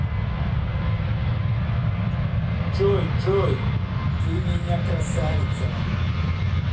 джой джой ты меня красавица